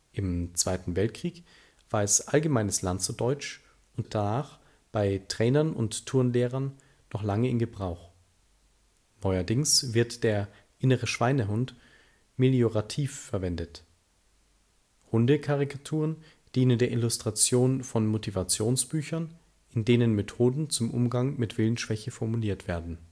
Im Zweiten Weltkrieg war es allgemeines Landserdeutsch und danach bei Trainern und Turnlehrern noch lange in Gebrauch. Neuerdings wird der „ innere Schweinehund “meliorativ verwendet. Hunde-Karikaturen dienen der Illustration von Motivationsbüchern, in denen Methoden zum Umgang mit Willensschwäche formuliert werden